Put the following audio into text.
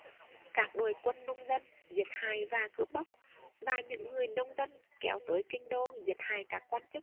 các đội quân nông dân giết hại và cướp bóc và những người nông dân kéo tới kinh đô giết hại các quan chức